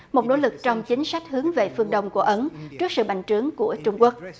một nỗ lực trong chính sách hướng về phương đông của ấn trước sự bành trướng của trung quốc